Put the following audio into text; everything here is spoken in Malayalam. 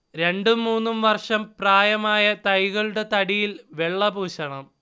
രണ്ടും മൂന്നും വർഷം പ്രായമായ തൈകളുടെ തടിയിൽ വെള്ള പൂശണം